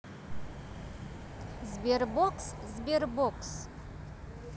sberbox sberbox